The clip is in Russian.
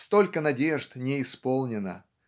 столько надежд не исполнено